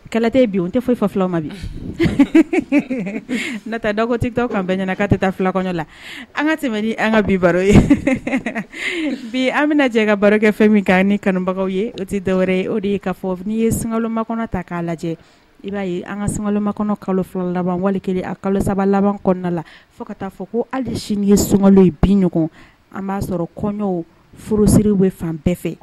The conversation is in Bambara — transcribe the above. Kɛlɛtɛ bi o tɛ foli fa fila ma bi nata datitɔ an bɛ ɲɛna' tɛ taa fila kɔnɔ la an ka tɛmɛ an ka bi baro ye bi an bɛ jɛ ka barokɛ fɛn min kan ni kanubagaw ye o tɛ dɔwɛrɛ o de ye fɔ n'i ye sanloma kɔnɔ ta k'a lajɛ i b'a ye an ka sunloma kɔnɔ kalo fila laban wali a kalo saba laban kɔnɔna la fo ka taa fɔ ko hali sini ye sunkalo ye bi ɲɔgɔn an b'a sɔrɔ kɔɲɔw forosi bɛ fan bɛɛ fɛ